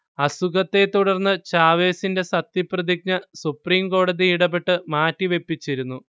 അസുഖത്തെ തുടർന്ന് ചാവെസിന്റെ സത്യപ്രതിജ്ഞ സുപ്രീം കോടതി ഇടപെട്ട് മാറ്റിവെപ്പിച്ചിരുന്നു